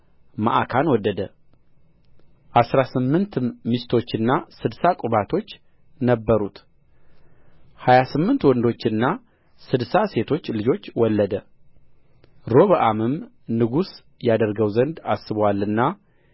መዓካን ወደደ አሥራ ስምንትም ሚስቶችና ስድሳ ቁባቶች ነበሩት ሀያ ስምንት ወንዶችና ስድሳ ሴቶች ልጆች ወለደ ሮብዓምም ንጉሥ ያደርገው ዘንድ አስቦአልና